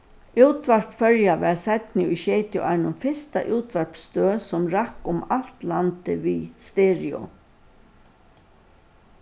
útvarp føroya varð seinni í sjeytiárunum fyrsta útvarpsstøð sum rakk um alt landið við stereo